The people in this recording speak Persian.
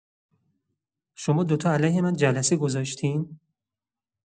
شما دوتا علیه من جلسه گذاشتین؟